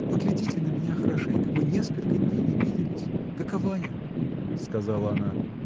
Поглядите на меня хорошенько — мы несколько дней не виделись: какова я? — сказала она.